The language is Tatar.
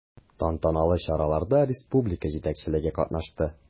Тантаналы чараларда республика җитәкчелеге катнашты.